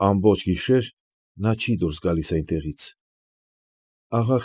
Ամբողջ գիշեր նա դուրս չի գալիս այնտեղից։